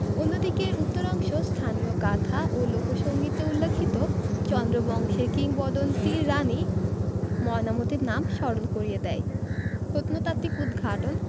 অন্যদিকে এর উত্তরাংশ স্থানীয় গাঁথা ও লোকসংগীতে উল্লিখিত চন্দ্রবংশের কিংবদন্তীর রানী ময়নামতী র নাম স্মরণ করিয়ে দেয় প্রত্নতাত্ত্বিক উদ্ঘাটন